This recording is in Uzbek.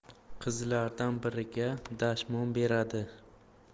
qizlardan biriga dashnom beradi